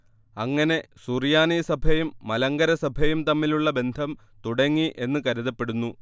അങ്ങനെ സുറിയാനി സഭയും മലങ്കര സഭയും തമ്മിലുള്ള ബന്ധം തുടങ്ങി എന്ന് കരുതപ്പെടുന്നു